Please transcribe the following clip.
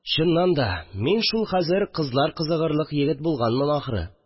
Чыннан да, мин шул хәзер кызлар кызыгырлык егет булганмын, ахры